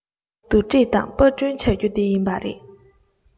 བསྡུ སྒྲིག དང པར སྐྲུན བྱ རྒྱུ དེ ཡིན པ རེད